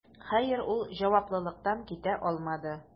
Хәер, ул җаваплылыктан китә алмады: